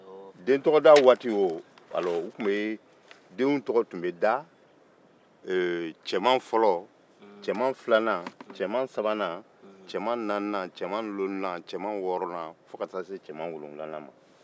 den tɔgɔ tun bɛ da k'a damine cɛman fɔlɔ filanan sabanan naaninan duurunan wɔɔrɔnan fo ka de wolonfila ma